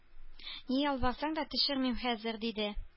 Ни ялварсаң да төшермим хәзер! — диде.